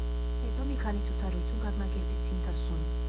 Հետո մի քանի ցուցադրություն կազմակերպեցինք դրսում։